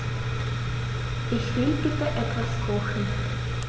Ich will bitte etwas kochen.